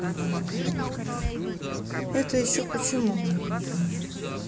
это еще почему